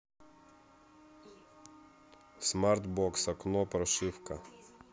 смартбокс окко прошивка